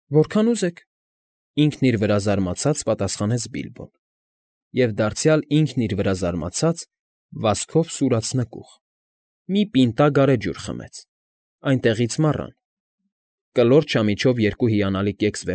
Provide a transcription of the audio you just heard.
Որքան ուզեք, ֊ ինքն իր վրա զարմացած պատասխանեց Բիլբոն և, դարձյալ ինքն իր վրա զարմացած, վազքով սուրաց նկուղ, մի պինտա գարեջուր խմեց, այնտեղից՝ մառան, կլոր, չամիչով երկու հիանալի կեքս։